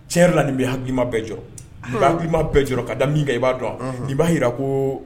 Tiɲɛ yɛrɛ la nin bɛ hakilima bɛɛ jɔrɔ, ni bɛ hakilima bɛɛ jɔrɔ, ka da min kɛ i b'a dɔn nin b'a jira ko